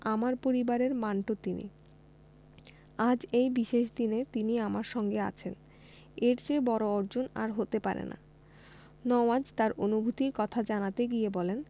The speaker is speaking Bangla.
আমার পরিবারের মান্টো তিনি আজ এই বিশেষ দিনে তিনি আমার সঙ্গে আছেন এর চেয়ে বড় অর্জন আর হতে পারে না নওয়াজ তার অনুভূতির কথা জানাতে গিয়ে বলেন